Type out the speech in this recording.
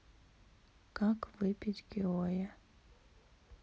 как выпить геое